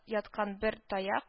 Яткан бер таяк